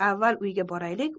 avval uyga boraylik